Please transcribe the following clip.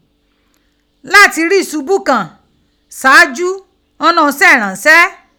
Lati ri isubu kan saaju n nu ise iranse.